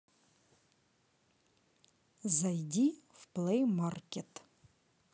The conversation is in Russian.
зайди в плеймаркет